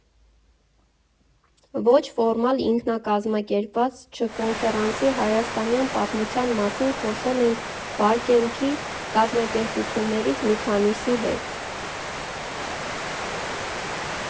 Ոչ ֆորմալ, ինքնակազմակերպված (չ)կոնֆերանսի հայաստանյան պատմության մասին խոսել ենք Բարքեմփի կազմակերպիչներից մի քանիսի հետ։